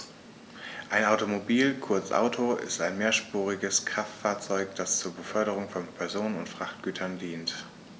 Ein Automobil, kurz Auto, ist ein mehrspuriges Kraftfahrzeug, das zur Beförderung von Personen und Frachtgütern dient.